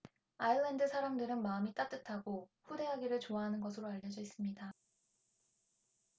아일랜드 사람들은 마음이 따뜻하고 후대하기를 좋아하는 것으로 알려져 있습니다